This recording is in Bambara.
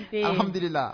Hamidula